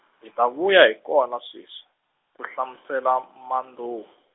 hi ta vuya hi kona sweswi, ku hlamusela Madou.